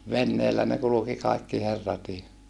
veneellä ne kulki kaikki herratkin